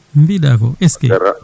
mbiɗa ko eskey